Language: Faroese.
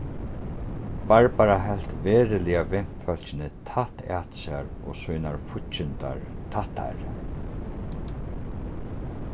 barbara helt veruliga vinfólkini tætt at sær og sínar fíggindar tættari